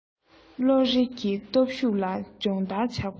བློ རི གི སྟོབས ཤུགས ལ སྦྱོང བརྡར བྱ དགོས